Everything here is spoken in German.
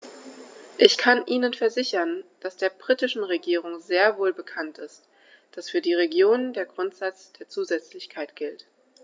Ich kann Ihnen versichern, dass der britischen Regierung sehr wohl bekannt ist, dass für die Regionen der Grundsatz der Zusätzlichkeit gilt.